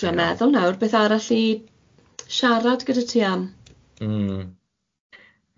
Yy, trio meddwl nawr beth arall i sharad gyda ti am?